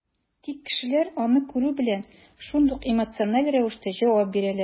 Тик кешеләр, аны күрү белән, шундук эмоциональ рәвештә җавап бирәләр.